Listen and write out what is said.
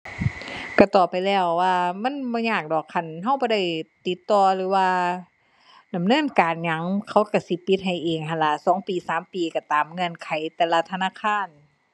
ก็ตอบไปแล้วว่ามันบ่ยากดอก คันก็บ่ได้ติดต่อหรือว่าดำเนินการหยังเขาก็สิปิดให้เองหั้นล่ะ สองปีสามปี ก็ตามเงื่อนไขแต่ละธนาคาร